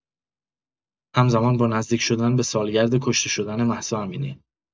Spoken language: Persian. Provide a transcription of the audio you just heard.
هم‌زمان با نزدیک‌شدن به سالگرد کشته شدن مهسا امینی